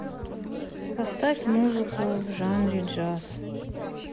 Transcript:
поставь музыку в жанре джаз